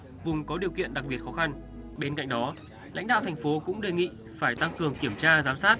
vùng có điều kiện đặc biệt khó khăn bên cạnh đó lãnh đạo thành phố cũng đề nghị phải tăng cường kiểm tra giám sát